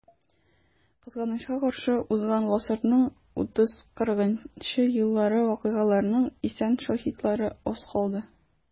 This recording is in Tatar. Кызганычка каршы, узган гасырның 30-40 еллары вакыйгаларының исән шаһитлары аз калды.